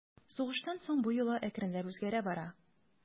Сугыштан соң бу йола әкренләп үзгәрә бара.